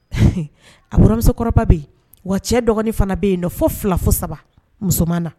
A buranmusokɔrɔba bɛ yen, wa cɛ dɔgɔnin fana bɛ yen fɔ 2 fɔ3 musoman na!